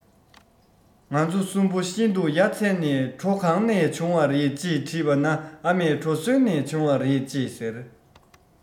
ང ཚོ གསུམ པོ ཤིན ཏུ ཡ མཚན ནས གྲོ གང ནས བྱུང བ རེད ཅེས དྲིས པ ན ཨ མས གྲོ སོན ནས བྱུང བ རེད ཅེས ཟེར